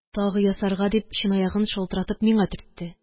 Тагы ясарга дип, чынаягын шалтыратып миңа төртте